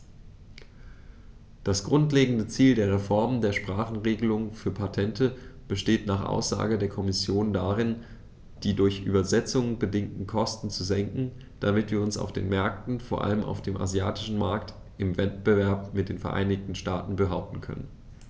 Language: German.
Das grundlegende Ziel der Reform der Sprachenregelung für Patente besteht nach Aussage der Kommission darin, die durch Übersetzungen bedingten Kosten zu senken, damit wir uns auf den Märkten, vor allem auf dem asiatischen Markt, im Wettbewerb mit den Vereinigten Staaten behaupten können.